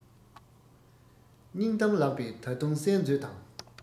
སྙིང གཏམ ལགས པས ད དུང གསན མཛོད དང